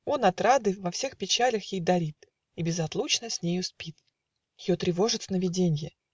Он отрады Во всех печалях ей дарит И безотлучно с нею спит. Ее тревожит сновиденье.